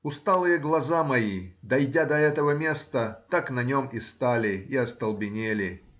Усталые глаза мои, дойдя до этого места, так на нем и стали, и остолбенели.